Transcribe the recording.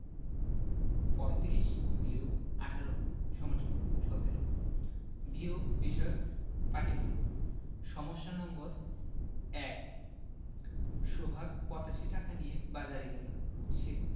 ৩৫ – ১৮ = ১৭ বিয়োগ বিষয়ক পাটিগনিতঃ সমস্যা নম্বর ১ সোহাগ ৮৫ টাকা নিয়ে বাজারে গেল সে